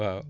waaw